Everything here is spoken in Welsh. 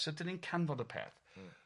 Sut 'dan ni'n canfod y peth?... Mm...